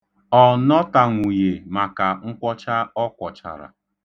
Ọ nọtanwughị maka nkwọcha ọ kwọchara.